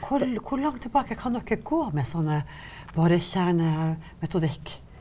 hvor hvor langt tilbake kan dere gå med sånn borekjernemetodikk?